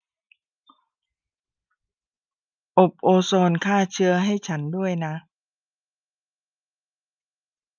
อบโอโซนฆ่าเชื้อให้ฉันด้วยนะ